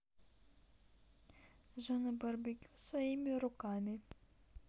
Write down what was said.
зона барбекю своими руками